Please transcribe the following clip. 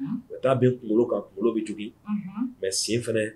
Ka taa bin kunkolo ka kunkolo bɛ jigin mɛ sen fana